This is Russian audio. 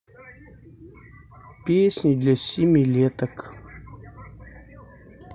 песни для семилеток